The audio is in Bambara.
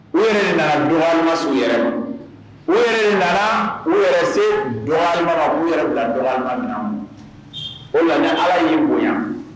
U yɛrɛ de nana dɔgɔyalima se u yɛrɛ ma, u yɛrɛ de nana u yɛrɛ se dɔgɔyalima ma k'u yɛrɛ bila dɔgyalima minɛn kɔnɔ., o de la n'i allah y'i bonya,